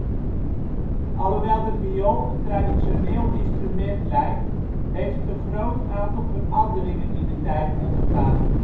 Alhoewel de viool een traditioneel instrument lijkt, heeft het een groot aantal veranderingen in de tijd ondergaan